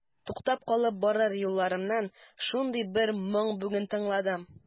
Туктап калып барыр юлларымнан шундый бер моң бүген тыңладым.